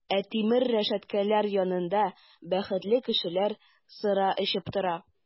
Ә тимер рәшәткәләр янында бәхетле кешеләр сыра эчеп тора!